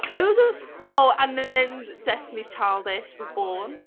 It was just... Oh and then Destiny's Childish was born.